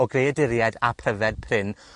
o greaduriaid a pryfed prin,